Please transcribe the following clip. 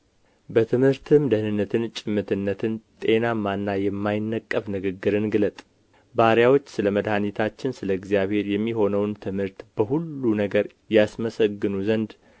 በትምህርትህም ደኅንነትን ጭምትነትን ጤናማና የማይነቀፍ ንግግርን ግለጥ ባሪያዎች ስለ መድኃኒታችን ስለ እግዚአብሔር የሚሆነውን ትምህርት በሁሉ ነገር ያስመሰግኑ ዘንድ